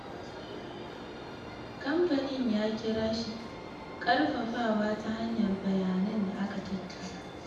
Kamfanin ya kira shi "karfafawa ta hanyar bayanan da aka tattara ."